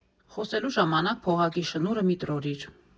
Խոսելու ժամանակ փողակի շնուրը մի՛ տրորիր։